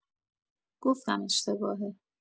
گفتم اشتباهه.